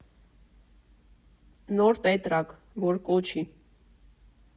Նոր տետրակ, որ կոչի։